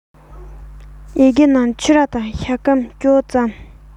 ཡི གེའི ནང ཕྱུར ར དང ཤ སྐམ འོ ཕྱེ